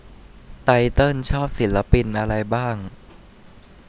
ไตเติ้ลชอบศิลปินอะไรบ้าง